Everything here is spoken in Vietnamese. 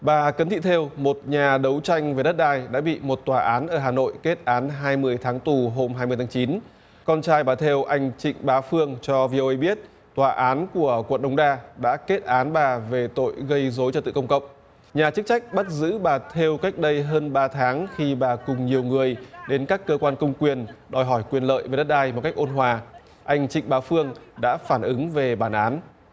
bà cấn thị thêu một nhà đấu tranh về đất đai đã bị một tòa án ở hà nội kết án hai mươi tháng tù hôm hai mươi tháng chín con trai bà thêu anh trịnh bá phương cho vi ô ây biết tòa án của quận đống đa đã kết án bà về tội gây rối trật tự công cộng nhà chức trách bắt giữ bà thêu cách đây hơn ba tháng khi bà cùng nhiều người đến các cơ quan công quyền đòi hỏi quyền lợi về đất đai một cách ôn hòa anh trịnh bá phương đã phản ứng về bản án